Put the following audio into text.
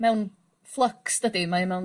mewn flux dydi mae o mewn...